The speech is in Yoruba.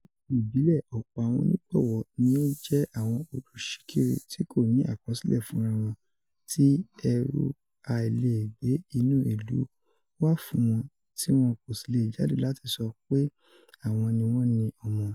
Niti ibilẹ, ọpọ awọn onigbọwọ nio jẹ awọn oluṣikiri ti koni akọsilẹ fun ra wọn, ti ẹru ailegbe inu ilu wa fun wọn ti wọn kosi le jade lati sọ pe awọn ni wọn ni ọmọ.